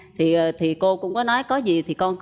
thì thì cô cũng có nói có gì thì con